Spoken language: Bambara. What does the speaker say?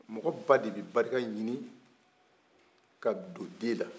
mɔgɔ ba de bɛ barika ɲini ka don den na